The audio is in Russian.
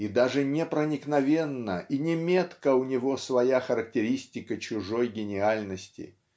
и даже не проникновенна и не метка у него своя характеристика чужой гениальности